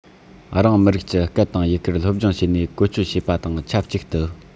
རང མི རིགས ཀྱི སྐད དང ཡི གེར སློབ སྦྱོང བྱས ནས བཀོལ སྤྱོད བྱེད པ དང ཆབས ཅིག ཏུ